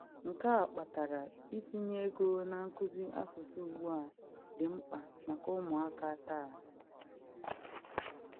Nke a kpatara itinye ego na nkuzi asụsụ ugbu a dị mkpa maka ụmụaka taa.